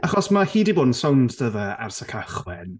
Achos mae hi 'di bod yn sownd 'da fe ers y cychwyn.